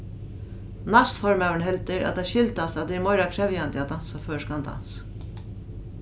næstformaðurin heldur at tað skyldast at tað er meira krevjandi at dansa føroyskan dans